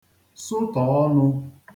sụtọ̀ ọnụ̄